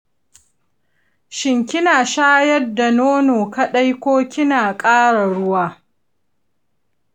shin kina shayar da nono kaɗai ko kina ƙara ruwa?